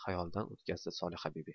xayolidan o'tkazdi solihabibi